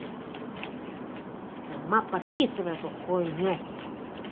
сама подписывается эту хуйню